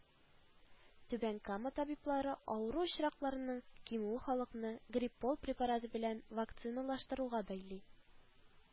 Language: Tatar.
Түбән Кама табиблары авыру очракларының кимүен халыкны “Гриппол” препараты белән вакциналаштыруга бәйли